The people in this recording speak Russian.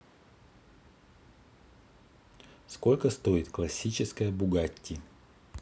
сколько стоит классическая bugatti